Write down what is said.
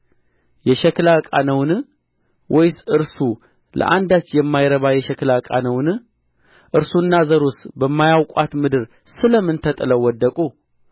የሸክላ ዕቃ ነውን እርሱና ዘሩስ በማያውቋት ምድር ስለ ምን ተጥለው ወደቁ